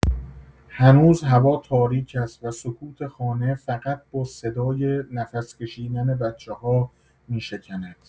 هنوز هوا تاریک است و سکوت خانه فقط با صدای نفس‌کشیدن بچه‌ها می‌شکند.